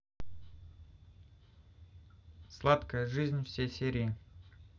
сладкая жизнь все серии